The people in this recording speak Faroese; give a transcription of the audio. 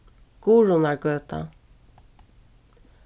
guðrunargøta